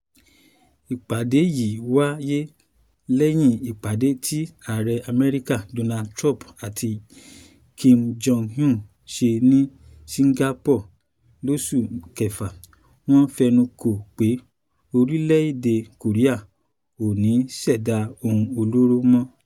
Ìpàdé yìí wáyé lẹ́yìn ìpàdé tí Ààrẹ Amẹ́ríkà, Donald Trump àti Kim Jong-un ṣe ní Singapore lóṣù kẹfà. Wọ́n fẹnuko pé orílẹ̀-èdè Korea ‘ò ní ṣẹ̀dá ohun olóró mọ́.